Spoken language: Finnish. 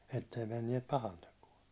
että ei menneet pahantekoa